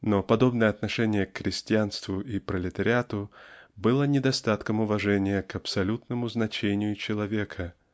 Но подобное отношение к крестьянству и пролетариату было недостатком уважения к абсолютному значению человека